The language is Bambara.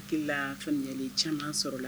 A hakili fɛnli c sɔrɔla la